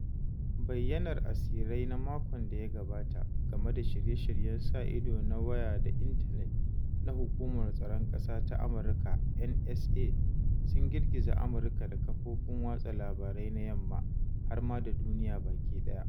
Bayyanar asirai na makon da ya gabata game da shirye-shiryen sa ido na waya da intanet na Hukumar Tsaron Ƙasa ta Amurka (NSA) sun girgiza Amurka da kafofin watsa labarai na yamma, har ma da duniya baki ɗaya.